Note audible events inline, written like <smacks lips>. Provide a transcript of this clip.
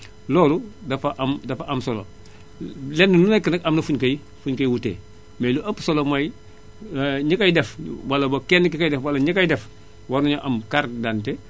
<smacks lips> loolu dafa am dafa am solo lenn lu nekk nag am na fu ñu koy fu ñu koy wutee mais li ëpp solo mooy <hesitation> ñi koy def wala book kenn ki koy def wala ñi koy def war nañoo am carte d' identité